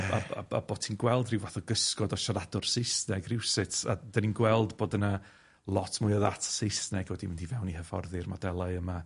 a- a- a- a- bo' ti'n gweld ryw fath o gysgod o siaradwr Saesneg rywsut, a 'dan ni'n gweld bod yna lot mwy o ddata Saesneg wedi mynd i fewn i hyfforddi'r modelau yma.